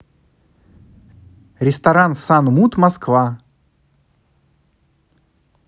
ресторан sun муд москва